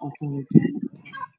ah oo qural jale ah